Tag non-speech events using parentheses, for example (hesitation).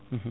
(hesitation) (hesitation)